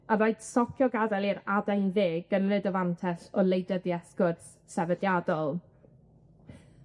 a rhaid stopio gad'el i'r adain dde gymryd y fantell o wleidyddiaeth gwrth-sefydliadol.